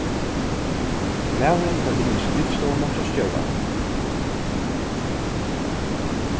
maðurin fór inn í skrivstovuna hjá stjóranum